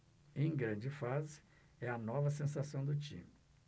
em grande fase é a nova sensação do time